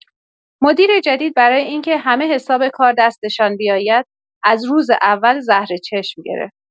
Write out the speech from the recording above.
مدیر جدید برای اینکه همه حساب کار دستشان بیاید، از روز اول زهر چشم گرفت.